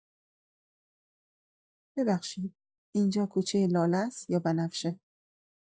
ببخشید، اینجا کوچه لاله‌ست یا بنفشه؟